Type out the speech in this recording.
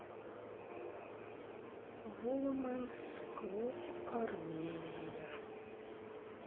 вуменс клуб армения